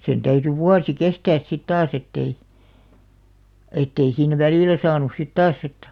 sen täytyi vuosi kestää sitten taas että ei että ei siinä välillä saanut sitten taas että